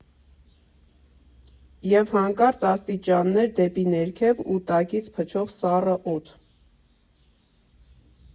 Եվ հանկարծ՝ աստիճաններ դեպի ներքև ու տակից փչող սառը օդ։